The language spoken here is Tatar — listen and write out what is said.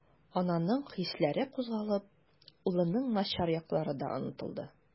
Ананың хисләре кузгалып, улының начар яклары да онытылды.